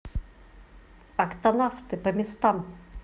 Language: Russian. октонавты по местам